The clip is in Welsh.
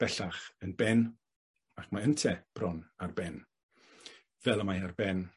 bellach yn ben, ac mae ynte bron ar ben. Fel y mae ar ben